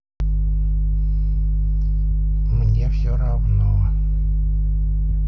мне все равно